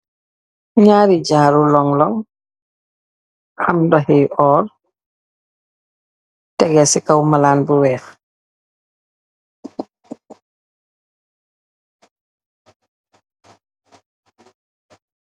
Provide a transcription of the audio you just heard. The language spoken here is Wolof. Naari jaaru lonloŋg, amndahéy or, tegesi kaw malan biweek.